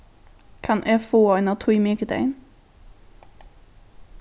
kann eg fáa eina tíð mikudagin